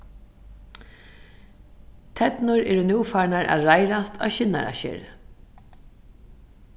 ternur eru nú farnar at reiðrast á skinnaraskeri